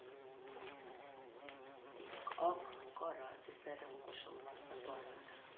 Димәк, ак, кара төсләре кушылмасы бар анда